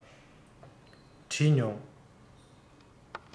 འདྲི མྱོང